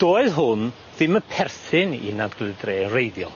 Doedd hwn ddim yn perthyn i'n arglwydd dre yn reiddiol.